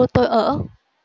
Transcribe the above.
tôi ở